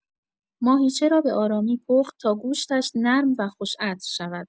ماهیچه را به‌آرامی پخت تا گوشتش نرم و خوش‌عطر شود.